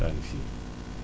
planifier